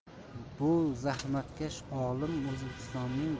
bu zahmatkash olim o'zbekistonning